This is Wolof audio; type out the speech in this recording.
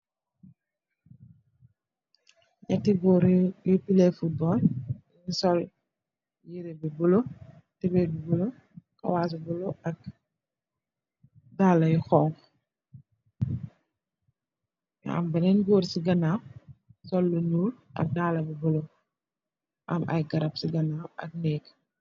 Neeti goor yui play football sol mbuba bu bulo tubai bu bulo kawas bu bulo ak daala yu xonxa nga am benen goor ganaw si sol lu nuul ak daala bu bulo am ay garab si ganaw ak neeg.